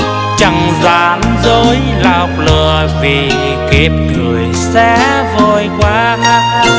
chẳng gian dối lọc lừa vì kiếp người sẽ vội qua